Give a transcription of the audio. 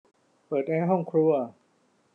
เปิดแอร์ห้องครัว